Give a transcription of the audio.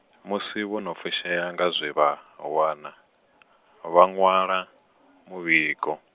musi vho no fushea nga zwe vha, wana, vha ṅwala, muvhigo.